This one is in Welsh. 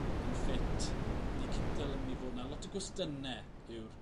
yn ffit? Odi Kittel yn myn' i fod 'na? Lot o gwestynw yw'r